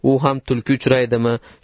u ham tulki uchraydimi